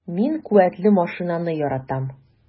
Мин куәтле машинаны яратам.